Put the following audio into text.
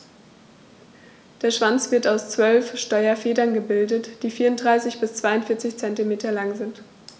Der Schwanz wird aus 12 Steuerfedern gebildet, die 34 bis 42 cm lang sind.